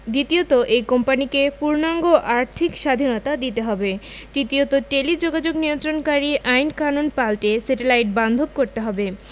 দ্বিতীয়ত এই কোম্পানিকে পূর্ণাঙ্গ আর্থিক স্বাধীনতা দিতে হবে তৃতীয়ত টেলিযোগাযোগ নিয়ন্ত্রণকারী আইনকানুন পাল্টে স্যাটেলাইট বান্ধব করতে হবে